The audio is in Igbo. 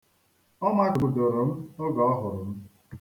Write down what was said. Ọ makụdoro m oge ọ hụrụ m.